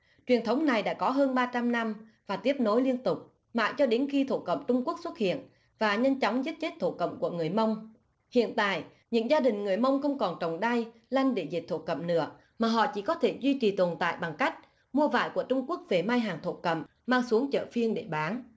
truyền thống này đã có hơn ba trăm năm và tiếp nối liên tục mãi cho đến khi thổ cẩm trung quốc xuất hiện và nhanh chóng giết chết thổ cẩm của người mông hiện tại những gia đình người mông không còn trồng đay lanh để dệt thổ cẩm nữa mà họ chỉ có thể duy trì tồn tại bằng cách mua vải của trung quốc về may hàng thổ cẩm mang xuống chợ phiên để bán